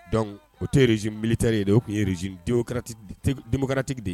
Donc o tɛ sizeletere de o tun ye sizkaratigi de ye